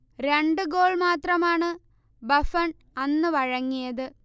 രണ്ട് ഗോൾ മാത്രമാണ് ബഫൺ അന്ന് വഴങ്ങിയത്